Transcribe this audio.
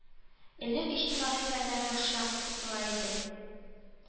Элек иҗтимагый фәннәр яхшырак укытыла иде